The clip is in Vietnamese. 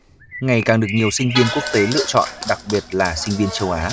ngày càng được nhiều sinh viên quốc tế lựa chọn đặc biệt là sinh viên châu á